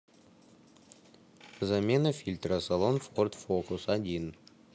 замена фильтра салона форд фокус один